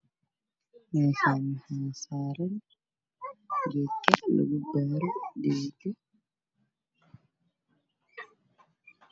Waxaa ii muuqda iska faallo waxaa saaran caadada saliid kalilkoodii yihiin furka waa buluug